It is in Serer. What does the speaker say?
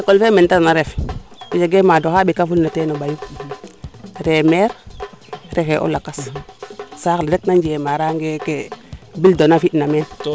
ecole fee mene te refna ref jegee maadoxa ɓekaful na teen o ɓayum re maire refee o lakas saax le rek naa njeema rage kee Bouldone a fina meen